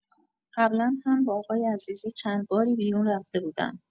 قبلا هم با آقای عزیزی چند باری بیرون رفته بودم.